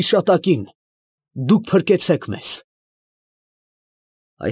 Հիշատակին, դուք փրկեցեք մեզ…»։